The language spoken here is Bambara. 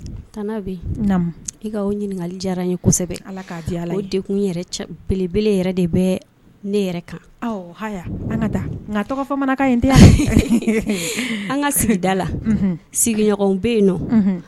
Tante Abi i ka ɲininkali diyara kɔsɛbɛ . O dekun belebele de bɛ ne yɛrɛ kan . An ka sigida la sigiɲɔgɔnw be yen